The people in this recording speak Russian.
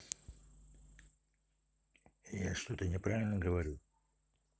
я что то неправильно говорю